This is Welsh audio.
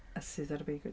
A syth ar y beic wedyn.